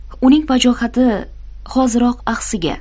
uning vajohati hoziroq axsiga